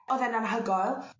O'dd e'n anhygoel.